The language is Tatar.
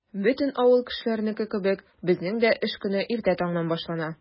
Бөтен авыл кешеләренеке кебек, безнең дә эш көне иртә таңнан башлана.